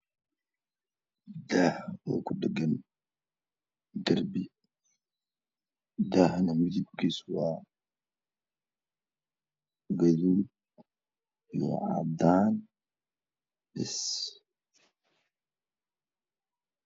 Daha kudhegan darbi daha midbkis waa gaduud io cadan bas